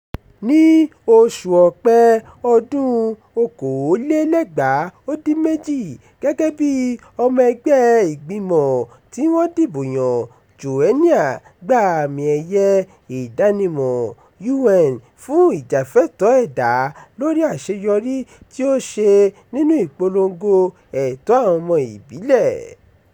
Ní oṣù Ọ̀pẹ ọdún-un 2018, gẹ́gẹ́ bí ọmọ ẹgbẹ́ ìgbìmọ̀ tí wọ́n dìbò yàn, Joenia gba àmì ẹ̀yẹ ìdánimọ̀ UN fún ìjàfẹ́tọ̀ọ́ ẹ̀dá lórí àṣeyọrí tí ó ṣe nínú ìpolongo ẹ̀tọ́ àwọn ọmọ ìbílẹ̀.